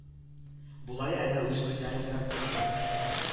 Болай әнә үз күзләре белән күрде